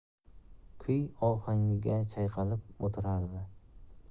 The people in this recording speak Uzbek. kuy ohangiga chayqalib o'tirardi